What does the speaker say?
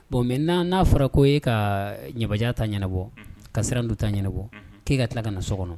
Bon mɛ n n'a fɔra ko e ka ɲbaa ta ɲɛnabɔ ka sirandu ta ɲɛnabɔ k'e ka tila ka na so kɔnɔ